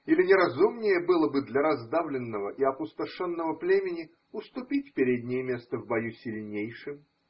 Или не разумнее было бы для раздавленного и опустошенного племени уступить переднее место в бою сильнейшим?